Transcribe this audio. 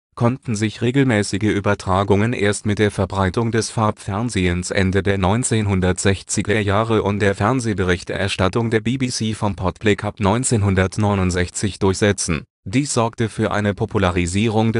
konnten sich regelmäßige Übertragungen erst mit der Verbreitung des Farbfernsehens Ende der 1960er Jahre und der Fernsehberichterstattung der BBC vom Pot Black Cup 1969 durchsetzen. Dies sorgte für eine Popularisierung